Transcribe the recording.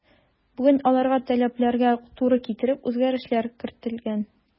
Бүген аларга таләпләргә туры китереп үзгәрешләр кертелгән.